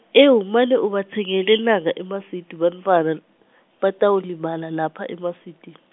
ewu, mane ubatsengele nankha emaswidi bantfwana, batawulibala lapha emaswidini.